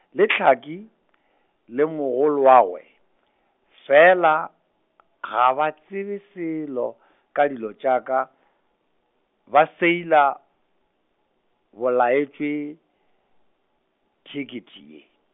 le Tlhaka , le mogolowagwe, fela, ga ba tsebe selo, ka dilo tša ka, ba seila, bolaetšwe, thekethe ye.